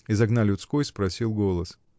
— из окна людской спросил голос.